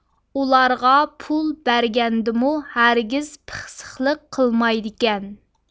ئۇلارغا پۇل بەرگەندىمۇ ھەرگىز پىخسىقلىق قىلمايدىكەن